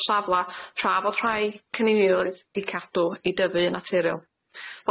y safla tra fod rhai cynulleidfaoedd eu cadw i dyfu yn naturiol.